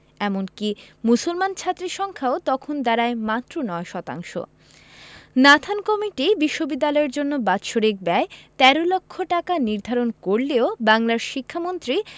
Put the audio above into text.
এমনকি মুসলমান ছাত্রের সংখ্যাও তখন দাঁড়ায় মাত্র ৯ শতাংশ নাথান কমিটি বিশ্ববিদ্যালয়ের জন্য বাৎসরিক ব্যয় ১৩ লক্ষ টাকা নির্ধারণ করলেও বাংলার শিক্ষামন্ত্রী